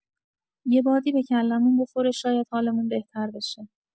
یه بادی به کله‌مون بخوره شاید حالمون بهتر بشه.